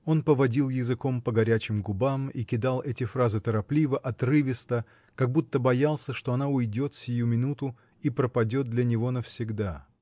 Он поводил языком по горячим губам и кидал эти фразы торопливо и отрывисто, как будто боялся, что она уйдет сию минуту и пропадет для него навсегда.